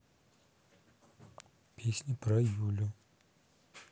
песня про юлю